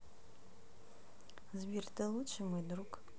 сбер ты лучший мой друг